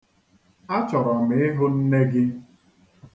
A chọrọ m ịhụ nne gị.